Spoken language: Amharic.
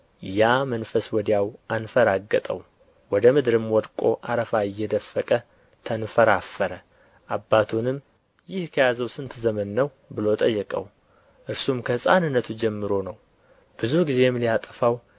ያ መንፈስ ወዲያው አንፈራገጠው ወደ ምድርም ወድቆ አረፋ እየደፈቀ ተንፈራፈረ አባቱንም ይህ ከያዘው ስንት ዘመን ነው ብሎ ጠየቀው እርሱም ከሕፃንነቱ ጀምሮ ነው ብዙ ጊዜም ሊያጠፋው